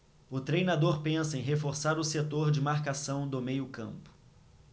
o treinador pensa em reforçar o setor de marcação do meio campo